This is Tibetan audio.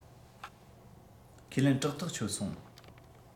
ཁས ལེན སྐྲག ཐག ཆོད སོང